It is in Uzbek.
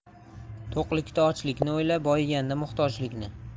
to'qlikda ochlikni o'yla boyiganda muhtojlikni